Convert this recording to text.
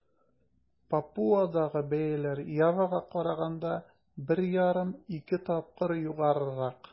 Папуадагы бәяләр Явага караганда 1,5-2 тапкыр югарырак.